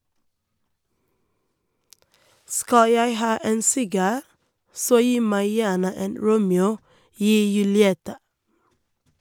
Skal jeg ha en sigar så gi meg gjerne en "Romeo y Julieta".